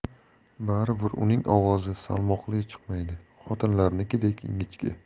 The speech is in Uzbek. bari bir uning ovozi salmoqli chiqmaydi xotinlarnikidek ingichka